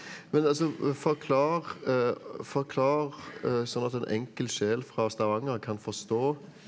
men altså forklar forklar sånn at en enkel sjel fra Stavanger kan forstå!